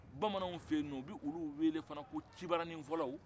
bamananw fɛ yen u bɛ olu wele fɛnɛ ko cibaranifɔlaw